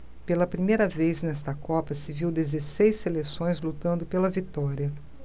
pela primeira vez nesta copa se viu dezesseis seleções lutando pela vitória